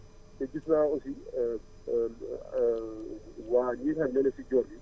te gis naa aussi waa jii nga xam ñoo nekk si joor gi